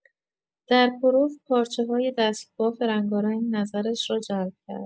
در پرو، پارچه‌های دست‌بافت رنگارنگ نظرش را جلب کرد.